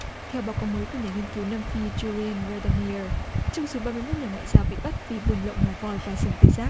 theo báo cáo mới của nhà nghiên cứu nam phi dô ri ừn re đơ mi ờ trong số ba mươi mốt nhà ngoại giao bị bắt vì buôn lậu ngà voi và sừng tê giác